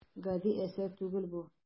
Гади әсәр түгел бу.